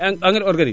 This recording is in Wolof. en engrais organique